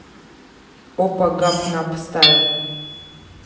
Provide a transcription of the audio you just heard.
опа гап нап стайл